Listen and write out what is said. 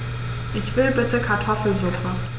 Ich will bitte Kartoffelsuppe.